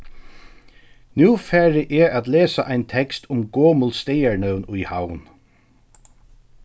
nú fari eg at lesa ein tekst um gomul staðarnøvn í havn